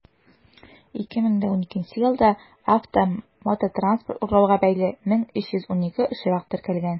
2012 елда автомототранспорт урлауга бәйле 1312 очрак теркәлгән.